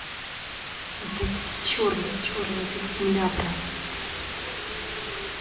да такие черные черные как земля прям